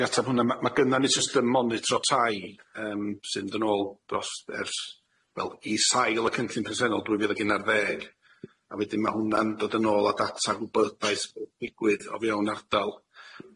I atab hwnna ma' ma' gynna ni system yn monitro tai yym sy'n dod nôl dros ers wel i sail y cynllun presennol dwy fil ag unarddeg a wedyn ma' hwnna'n dod yn ôl â data gwybodaeth o ddigwydd o fewn ardal,